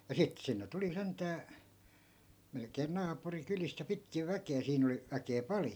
ja sitten sinne tuli sentään melkein naapurikylistä ja pitkin väkeä siinä oli väkeä paljon